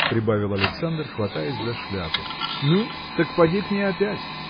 – прибавил Александр, хватаясь за шляпу. – Ну так поди к ней опять